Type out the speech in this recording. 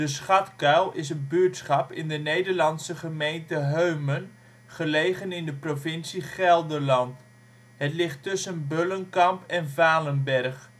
Schatkuil is een buurtschap in de Nederlandse gemeente Heumen, gelegen in de provincie Gelderland. Het ligt tussen Bullenkamp en Valenberg